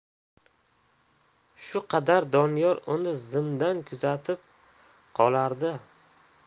shu qadar doniyor uni zimdan kuzatib qolardi